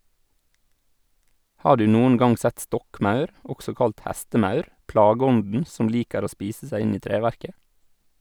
Har du noen gang sett stokkmaur, også kalt hestemaur, plageånden som liker å spise seg inn i treverket?